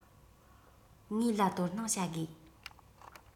ངའི ལ དོ སྣང བྱ དགོས